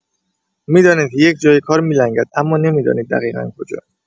می‌دانید که یک جای کار می‌لنگد اما نمی‌دانید دقیقا کجا!